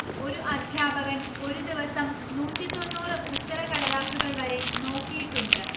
ഒരു അദ്ധ്യാപകൻ ഒരു ദിവസം നൂറ്റി തൊണ്ണൂറ് ഉത്തരക്കടലാസുകൾ വരെ നോക്കിയിട്ടുണ്ട്